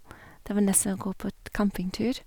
Det var nesten å gå på t campingtur.